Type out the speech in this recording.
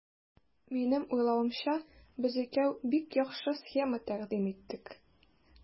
Минем уйлавымча, без икәү бик яхшы схема тәкъдим иттек.